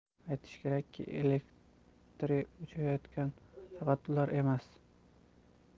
aytish kerakki elektri o'chayotgan faqat ular emas